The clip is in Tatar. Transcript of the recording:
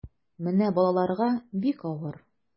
Менә балаларга бик авыр.